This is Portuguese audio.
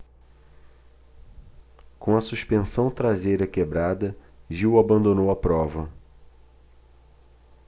com a suspensão traseira quebrada gil abandonou a prova